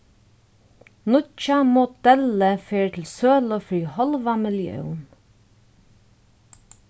nýggja modellið fer til sølu fyri hálva millión